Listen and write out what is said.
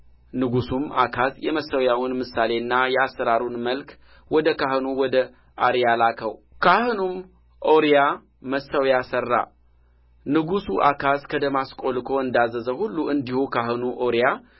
ንጉሡም አካዝ የመሠዊያውን ምሳሌና የአሠራሩን መልክ ወደ ካህኑ ወደ ኦርያ ላከው ካህኑም ኦርያ መሠዊያ ሠራ ንጉሡ አካዝ ከደማስቆ ልኮ እንዳዘዘው ሁሉ እንዲሁ ካህኑ ኦርያ